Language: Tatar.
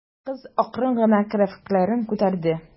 Кыз акрын гына керфекләрен күтәрде.